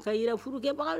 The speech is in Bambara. Sara furuke